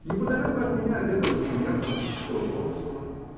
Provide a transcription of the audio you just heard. Неподалеку от меня обедала семья французского консула